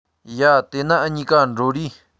ཡ དེ ན འུ གཉིས ཀ འགྲོ རིས